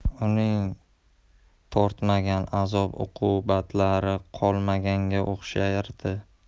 uning tortmagan azob uqubatlari qolmaganga o'xshardi